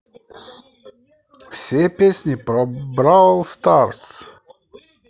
все песни про бравл старс